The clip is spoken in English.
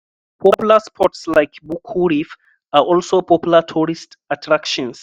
Popular spots like Buccoo Reef are also popular tourist attractions.